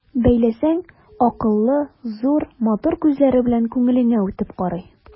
Бәйләсәң, акыллы, зур, матур күзләре белән күңелеңә үтеп карый.